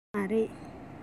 ཡོད མ རེད